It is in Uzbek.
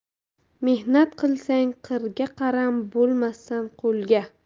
mehnat qilsang qirga qaram bo'lmassan qo'lga